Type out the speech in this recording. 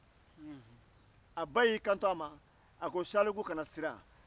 a ba ko kana siran salimu